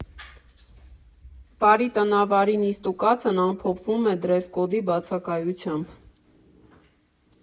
Բարի տնավարի նիստուկացն ամփոփվում է դրեսկոդի բացակայությամբ.